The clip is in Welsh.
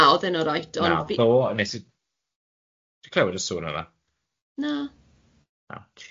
Na, o'dd e'n olreit ond... Na, ti'n clywed y sŵn yna?